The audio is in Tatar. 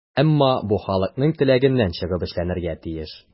Әмма бу халыкның теләгеннән чыгып эшләнергә тиеш.